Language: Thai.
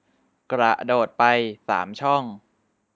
กระโดดไปสามช่อง